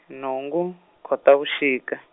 nhungu, Khotavuxika.